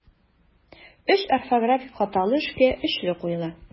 Өч орфографик хаталы эшкә өчле куела.